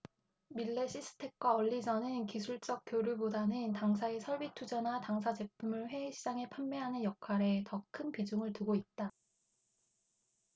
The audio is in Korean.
밀레시스텍과 얼리젼은 기술적 교류 보다는 당사에 설비 투자나 당사 제품을 해외시장에 판매하는 역할에 더 큰 비중을 두고 있다